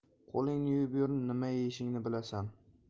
qo'lingni yuvib yur nima yeyishingni bilasan